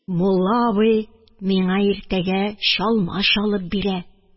Мулла абый миңа иртәгә чалма чалып бирә.